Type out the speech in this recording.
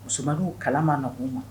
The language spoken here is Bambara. Kala ma na'u